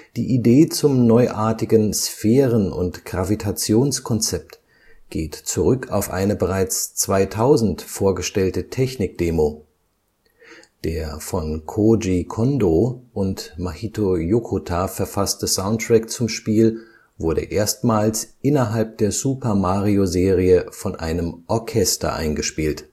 Die Idee zum neuartigen Sphären - und Gravitationskonzept geht zurück auf eine bereits 2000 vorgestellte Technik-Demo. Der von Kōji Kondō und Mahito Yokota verfasste Soundtrack zum Spiel wurde erstmals innerhalb der Super-Mario-Serie von einem Orchester eingespielt